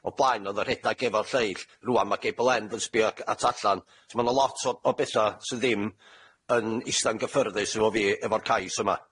O blaen o'dd o rhedag efo'r lleill, rŵan ma' gabel end yn sbïo ac- at allan, so ma' 'na lot o o betha sy ddim yn ista'n gyffyrddus efo fi efo'r cais yma.